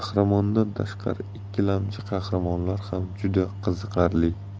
qahramondan tashqari ikkilamchi qahramonlar ham juda qiziqarli